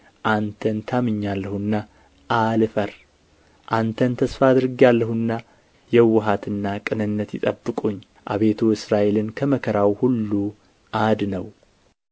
አንተን ታምኛለሁና አልፈር አንተን ተስፋ አድርጌአለሁና የውሃትና ቅንነት ይጠብቁኝ አቤቱ እስራኤልን ከመከራው ሁሉ አድነው